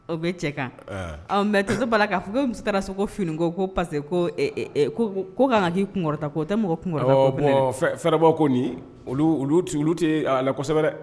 O bɛ cɛ kan . Ɔn mais tonton Bala ka fɔ ko muso taara so ko fini ko ko parceque ko ka kan ka kɛ kunkɔrɔta ko ye. O tɛ mɔgɔ kunkɔrɔta ko ye. fɛrɛbɔ ko nin , olu ti a la kosɛbɛ dɛ.